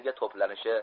bir yerga to'planishi